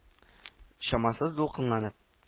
Чамасыз дулкынланып